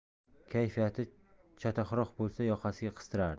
kayfiyati chatoqroq bo'lsa yoqasiga qistirardi